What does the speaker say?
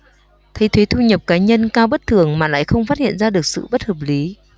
thấy thuế thu nhập cá nhân cáo bất thường mà lại không phát hiện ra được sự bất hợp lý